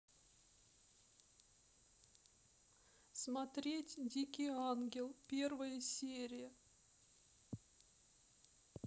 смотреть дикий ангел первая серия